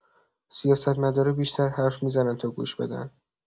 سیاستمدارا بیشتر حرف می‌زنن تا گوش بدن.